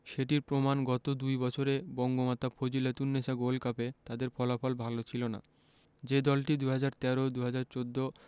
সেটির প্রমাণ গত দুই বছরে বঙ্গমাতা ফজিলাতুন্নেছা গোল্ড কাপে তাদের ফলাফল ভালো ছিল না যে দলটি ২০১৩ ২০১৪